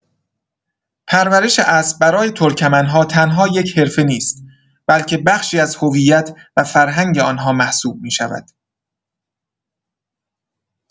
پرورش اسب برای ترکمن‌ها تنها یک حرفه نیست، بلکه بخشی از هویت و فرهنگ آن‌ها محسوب می‌شود.